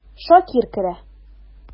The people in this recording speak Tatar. Шакир керә.